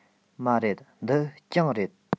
མ རེད འདི གྱང རེད